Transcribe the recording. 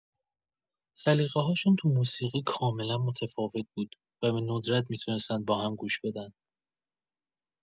سلیقه‌هاشون تو موسیقی کاملا متفاوت بود و به‌ندرت می‌تونستن با هم گوش بدن.